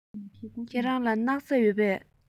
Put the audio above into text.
ཁྱེད རང ལ སྣག ཚ ཡོད པས